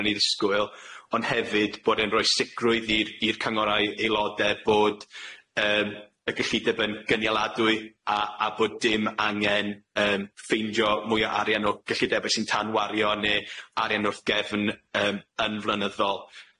yn ei ddisgwyl, ond hefyd bod e'n roi sicrwydd i'r i'r cyngorau aelode bod yym y gyllideb yn gynialadwy a a bod dim angen yym ffeindio mwy o arian o gyllidebe sy'n tânwario ne' arian wrth gefn yym yn flynyddol.